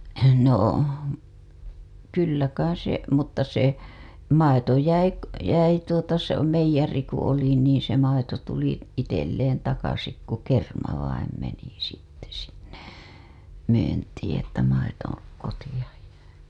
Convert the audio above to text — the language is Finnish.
no kyllä kai se mutta se maito jäi jäi tuota se meijeriin kun oli niin se maito tuli itselle takaisin kun kerma vain meni sitten sinne myyntiin että maito kotia jäi